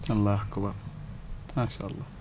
alaahu akbar macha allah